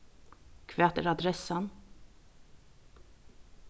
hvat er adressan